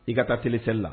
I ka taaeli seli la